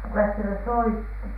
kukas siellä soitti